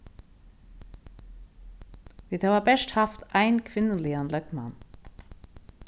vit hava bert havt ein kvinnuligan løgmann